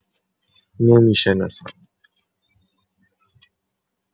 نمی‌شناسم